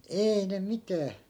ei ne mitään